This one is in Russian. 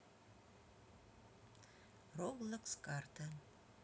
roblox карта